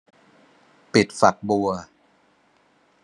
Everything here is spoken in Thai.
ปิดฝักบัว